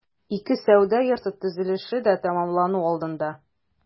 Ике сәүдә йорты төзелеше дә тәмамлану алдында.